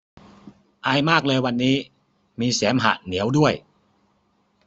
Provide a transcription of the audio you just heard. ไอมากเลยวันนี้มีเสมหะเหนียวด้วย